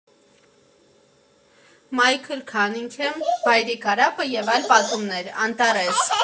Մայքլ Քանինգհեմ, «Վայրի կարապը և այլ պատումներ», Անտարես։